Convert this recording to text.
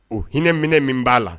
O hinɛ minɛ min b'a la